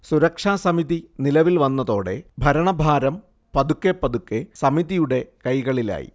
സുരക്ഷാസമിതി നിലവിൽ വന്നതോടെ ഭരണഭാരം പതുക്കെപ്പതുക്കെ സമിതിയുടെ കൈകളിലായി